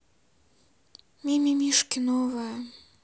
мимимишки новое